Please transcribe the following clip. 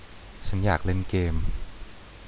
ฉันอยากเล่นเกม